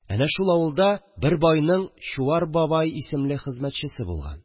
Әнә шул авылда бер байның Чуар бабай исемле хезмәтчесе булган